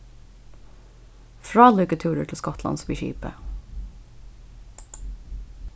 frálíkur túrur til skotlands við skipi